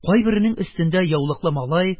Кайберенең өстендә яулыклы малай,